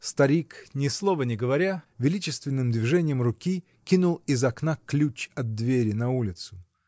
Старик, ни слова не говоря, величественным движением руки кинул из окна ключ от двери на улицу.